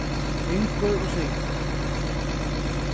fingur og syngur